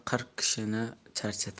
qirq kishini charchatar